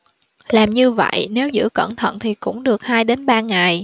làm như vậy nếu giữ cẩn thận thì cũng được hai đến ba ngày